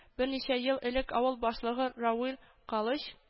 Берничә ел элек авыл башлыгы Рауил Галыч